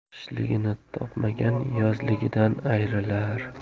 qishligini topmagan yozligidan ayrilar